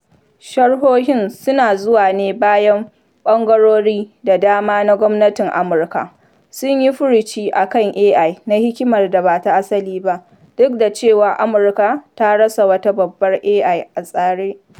Sharhohin suna zuwa ne bayan ɓangarori da dama na gwamnatin Amurka sun yi furuci a kan AI na hikimar da ba ta asalin ba, duk da cewa Amurka ta rasa wata dabarar AI a tsare.